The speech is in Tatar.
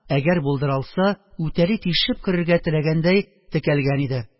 Әгәр булдыра алса, үтәли тишеп керергә теләгәндәй текәлгән иде.